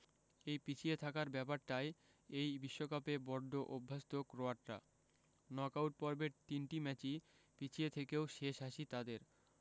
এই পিছিয়ে থাকার ব্যাপারটায় এই বিশ্বকাপে বড্ড অভ্যস্ত ক্রোয়াটরা নক আউট পর্বের তিনটি ম্যাচই পিছিয়ে থেকেও শেষ হাসি তাদের